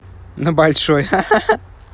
на большой ха ха ха